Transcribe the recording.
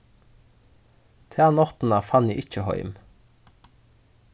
ta náttina fann eg ikki heim